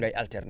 ngay alterné